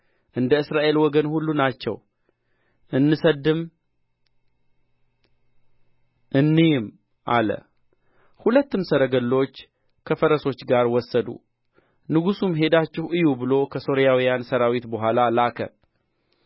እንደ እስራኤል ወገን ሁሉ ናቸው እንስደድም እንይም አለ ሁለትም ሰረገሎች ከፈረሶች ጋር ወሰዱ ንጉሡም ሄዳችሁ እዩ ብሎ ከሶርያውያን ሠራዊት በኋላ ላከ